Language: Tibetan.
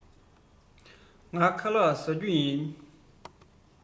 ང ཁ ལག བཟའ རྒྱུ ཡིན